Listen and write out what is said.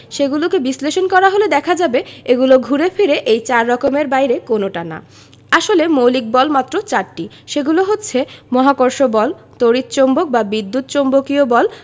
সেগুলোকে বিশ্লেষণ করা হলে দেখা যাবে এগুলো ঘুরে ফিরে এই চার রকমের বাইরে কোনোটা নয় আসলে মৌলিক বল মাত্র চারটি সেগুলো হচ্ছে মহাকর্ষ বল তড়িৎ চৌম্বক বা বিদ্যুৎ চৌম্বকীয় বল